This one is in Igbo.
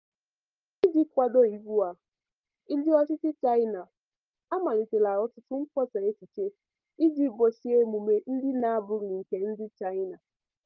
Iji kwado iwu a, ndị ọchịchị China amalitela ọtụtụ mkpọsa echiche iji gbochie emume ndị n'abụghị nke ndị China.